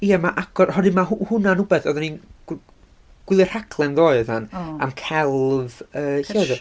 Ia mae agor... hynny ma' h- hw- hwnna'n wbeth. Ro'n i'n g- gwylio rhaglen ddoe oeddan, fan am celf... yy lle oedd o?